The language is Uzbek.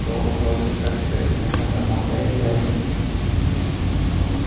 chiqarish kerak bo'lgan zamonda yashayapmiz